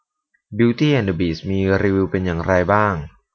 บิวตี้แอนด์เดอะบีสต์มีรีวิวเป็นอย่างไรบ้าง